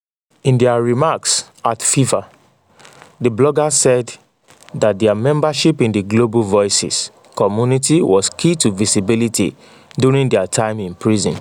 In their remarks at FIFA, the bloggers said that their membership in the Global Voices community was key to visibility during their time in prison.